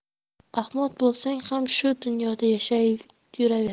ahmoq bo'lsang ham shu dunyoda yashab yuraver